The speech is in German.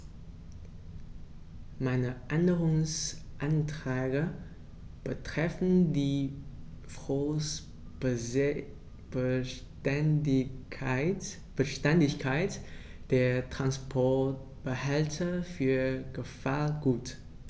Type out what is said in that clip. Meine Änderungsanträge betreffen die Frostbeständigkeit der Transportbehälter für Gefahrgut.